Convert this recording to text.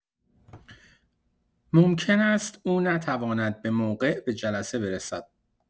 ممکن است او نتواند به‌موقع به جلسه برسد.